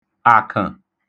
àk̇ə̣̀